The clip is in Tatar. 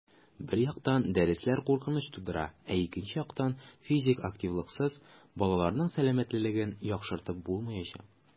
Бер яктан, дәресләр куркыныч тудыра, ә икенче яктан - физик активлыксыз балаларның сәламәтлеген яхшыртып булмаячак.